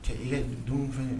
Cɛ i ka nin denw fɛn ye